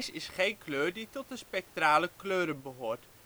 is geen kleur die tot de spectrale kleuren behoort